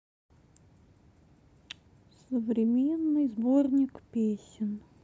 современный сборник песен